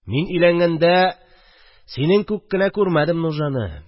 Мин өйләнгәндә синең күк кенә күрмәдем нужаны